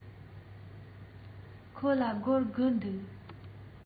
ཁོ ལ སྒོར དགུ འདུག